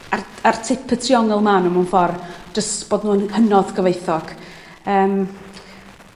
ar ar tip y triongl ma' n'w mewn ffor jys bod nw'n hynod cyfoethog yym